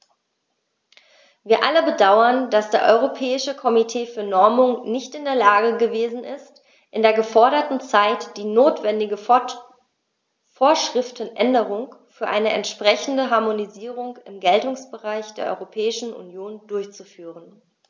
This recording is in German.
Wir alle bedauern, dass das Europäische Komitee für Normung nicht in der Lage gewesen ist, in der geforderten Zeit die notwendige Vorschriftenänderung für eine entsprechende Harmonisierung im Geltungsbereich der Europäischen Union durchzuführen.